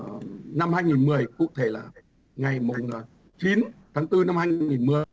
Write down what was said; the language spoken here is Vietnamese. năm hai nghìn mười cụ thể là ngày mùng chín tháng tư năm hai nghìn mười